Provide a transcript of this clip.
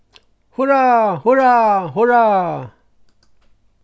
hurrá hurrá hurrá